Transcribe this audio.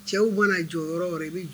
Cɛw mana jɔ yɔrɔ o yɔrɔ, i bɛ jɔ